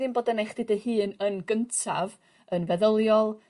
ddim bod yn eich chdi dy hun yn gyntaf yn feddyliol